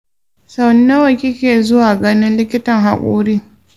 sau nawa kake zuwa ganin likitan haƙori?